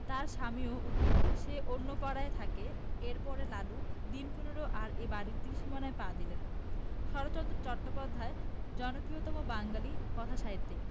তার স্বামীও উকিল সে অন্য পাড়ায় থাকেএর পরে লালু দিন পনেরো আর এ বাড়ির ত্রিসীমানায় পা দিলে না শরৎচন্দ্র চট্টোপাধ্যায় জনপ্রিয়তম বাঙালি কথাসাহিত্যিক